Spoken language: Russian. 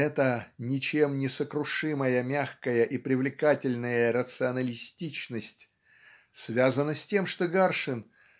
эта ничем не сокрушимая мягкая и привлекательная рационалистичность связана с тем что Гаршин